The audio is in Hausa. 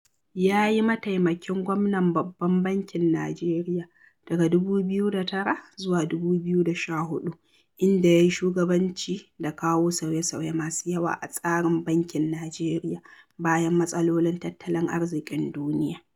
Ya yi mataimakin gwamnan Babban Bankin Najeriya daga 2009 zuwa 2014, inda "ya yi shugabanci da kawo sauye-sauye masu yawa a tsarin bankin Najeriya bayan matsalolin tattalin arziƙin duniya."